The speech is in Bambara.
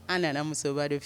An nana musoba de fo